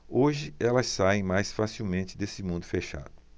hoje elas saem mais facilmente desse mundo fechado